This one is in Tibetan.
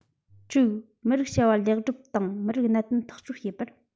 དྲུག མི རིགས བྱ བ ལེགས སྒྲུབ དང མི རིགས གནད དོན ཐག གཅོད བྱེད པར